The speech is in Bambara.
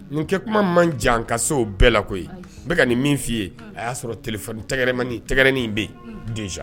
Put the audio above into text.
Nin kɛ kuma man jan ka se'o bɛɛ lako ye bɛɛ ka nin min f'i ye a y'a sɔrɔ t tɛkɛɛrɛ nin tɛgɛgɛrɛ bɛ donsoc